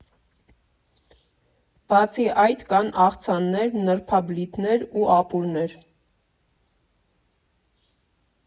Բացի այդ, կան աղցաններ, նրբաբլիթներ ու ապուրներ։